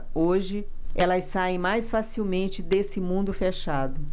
hoje elas saem mais facilmente desse mundo fechado